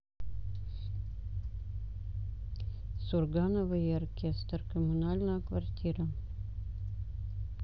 сурганова и оркестр коммунальная квартира